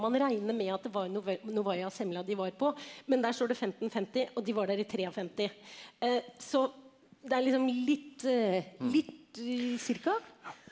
man regner med at det var Novaya Zemlya de var på, men der står det 1550 og de var der i 53 så det er liksom litt litt cirka.